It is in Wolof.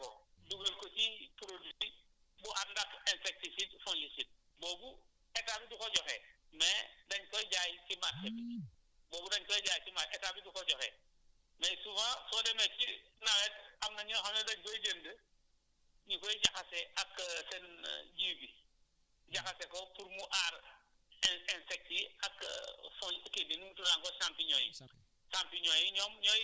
nga traiter sa ji gi nga traiter ko dugal ko ci produit bi fu ànd ak insecticide fongicide boobu état bi du ko joxe mais dañ koy jaay ci marché bi boobu dañ koy jaay ci marché état bi du ko joxe mais souvent soo demee ci nawet am na ñoo xam ne dañ koy jënd ñu koy jaxase ak seen ji bi jaxase ko pour mu aar in insectes yi ak fonte kii bi nu mu tudd encore champignon yi